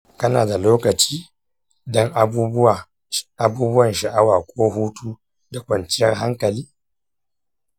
kana da lokaci don abubuwan sha'awa ko hutu da kwanciyar hankali?